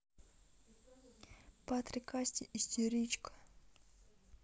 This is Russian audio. патрик asti истеричка